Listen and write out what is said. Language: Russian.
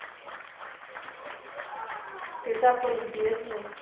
ты такой любезный